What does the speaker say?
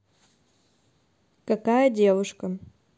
какая девушка